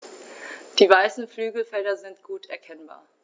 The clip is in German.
Die weißen Flügelfelder sind gut erkennbar.